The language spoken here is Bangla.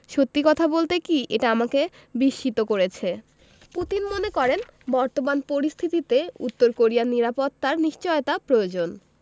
সত্যি কথা বলতে কি এটা আমাকে বিস্মিত করেছে পুতিন মনে করেন বর্তমান পরিস্থিতিতে উত্তর কোরিয়ার নিরাপত্তার নিশ্চয়তা প্রয়োজন